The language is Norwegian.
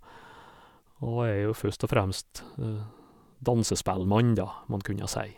Og jeg er jo først og fremst dansespellmann, da, må en kunne si.